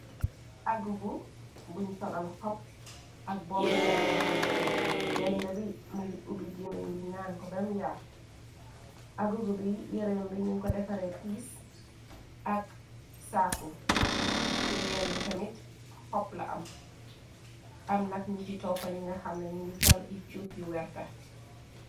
Aggugu buñ solal xopp ak boppi gaynde gaynde bi mu ngi ubi géemeñ bi ngaan ko bem yaa aggugu bi yereem bi ñu ko defare pis ak saaku tubeyambi tamit xopp la am am nak ñi ci toppañ nga xamnañu ngi sol icuut yu werta.